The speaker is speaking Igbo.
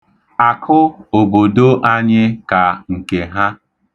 Akụ obodo anyị ka nke ha.